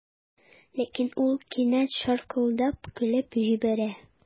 Ләкин ул кинәт шаркылдап көлеп җибәрә.